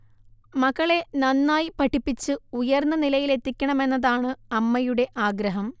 മകളെ നന്നായി പഠിപ്പിച്ച് ഉയർന്ന നിലയിലെത്തിക്കണമെന്നതാണ് അമ്മയുടെ ആഗ്രഹം